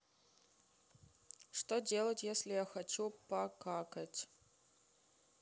что делать если я хочу покакать